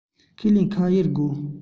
ཁས ལེན ཁ དབྱེ དགོས